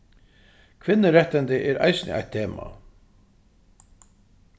kvinnurættindi er eisini eitt tema